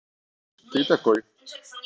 ты такой